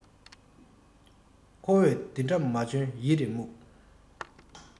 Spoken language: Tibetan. ཁོ བོས དེ འདྲ མ འཇོན ཡིད རེ རྨུགས